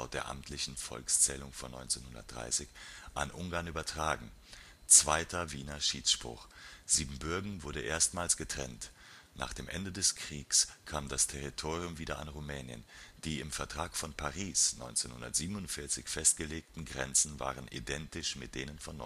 der amtlichen Volkszählung von 1930), an Ungarn übertragen (Zweiter Wiener Schiedsspruch). Siebenbürgen wurde erstmals getrennt. Nach dem Ende des Kriegs kam das Territorium wieder an Rumänien. Die im Vertrag von Paris 1947 festgelegten Grenzen waren identisch mit denen von